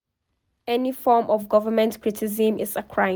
Any form of government criticism is a crime